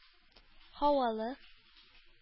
Һавалы